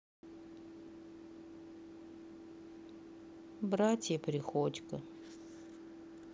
братья приходько